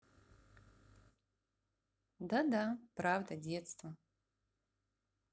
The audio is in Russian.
да да правда детство